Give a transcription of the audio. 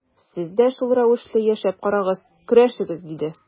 Сез дә шул рәвешле яшәп карагыз, көрәшегез, диде.